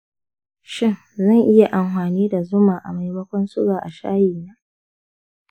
shin zan iya yin amfani da zuma a maimakon suga a shayi na?